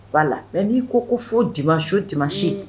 B'a la mɛ n'i ko fo di so disi